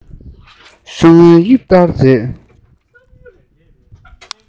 ཤོ མོའི དབྱིབས ལྟར མཛེས